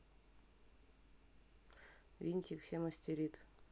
винтик все мастерит